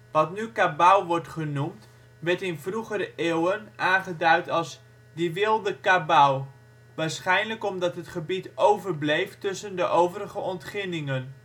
Wat nu Cabauw wordt genoemd, werd in vroegere eeuwen aangeduid als " die wilde Cabbau ", waarschijnlijk omdat het gebied overbleef tussen de overige ontginningen